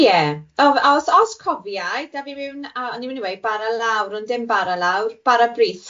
Ie o- os os cofiai, da fi mewn a o'n i'n mynd i weud bara lawr ond dim bara lawr, bara brith.